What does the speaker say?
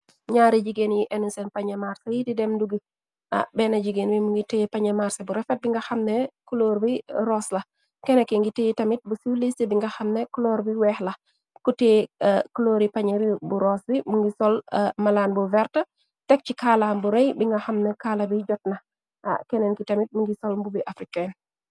Nyaari jigéen yi enusen pañe mars yi di dem dugi. Benn jigéen wi mu ngi te pañe marse bu refet bi nga xamne clóor bi ross la. Keneki ngi teyi tamit bu su liiste bi nga xam ne cloor bi weex la. Ku te cloori pañe bu ross bi mu ngi sol malaan bu vert. Teg ci kaalaan bu rëy bi nga xamna kaala bi jot na. Keneen ki tamit mingi sol mbubi african.